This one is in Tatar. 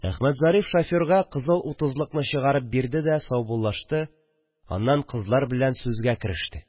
Әхмәтзариф шоферга кызыл утызлыкны чыгарып бирде дә, саубуллашты, аннан кызлар белән сүзгә кереште